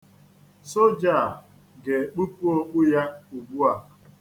Soja a ga-ekpupu okpu ya ugbu a.